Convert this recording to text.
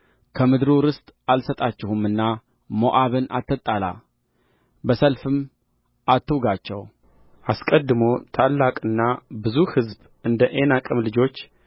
ከምድሩ ርስት አልሰጣችሁምና ሞዓብን አትጣላ በሰልፍም አትውጋቸውአስቀድሞ ታላቅና ብዙ ሕዝብ እንደ ዔናቅም ልጆች